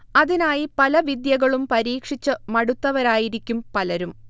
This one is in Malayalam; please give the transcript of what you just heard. അതിനായി പല വിദ്യകളും പരീക്ഷിച്ച് മടുത്തവരായിരിക്കും പലരും